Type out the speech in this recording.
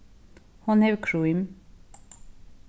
hon hevur krím